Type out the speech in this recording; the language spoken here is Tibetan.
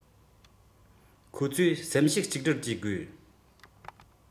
ཁོ ཚོས སེམས ཤུགས གཅིག སྒྲིལ གྱིས དགོས